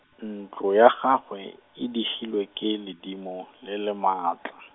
ntlo ya gagwe, e digilwe ke ledimo, le le maatla.